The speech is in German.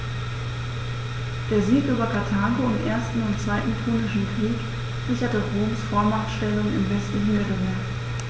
Der Sieg über Karthago im 1. und 2. Punischen Krieg sicherte Roms Vormachtstellung im westlichen Mittelmeer.